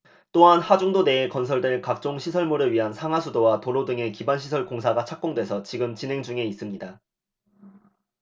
또한 하중도 내에 건설될 각종 시설물을 위한 상하수도와 도로 등의 기반시설 공사가 착공돼서 지금 진행 중에 있습니다